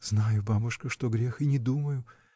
— Знаю, бабушка, что грех, и не думаю.